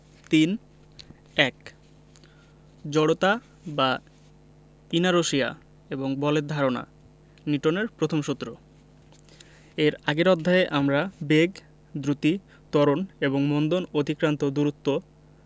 ৩ ১ জড়তা বা ইনারশিয়া এবং বলের ধারণা নিউটনের প্রথম সূত্র এর আগের অধ্যায়ে আমরা বেগ দ্রুতি ত্বরণ এবং মন্দন অতিক্রান্ত দূরত্ব